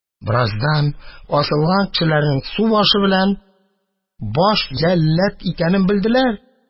Бераздан асылган кешеләрнең субашы белән баш җәллад икәнен белделәр.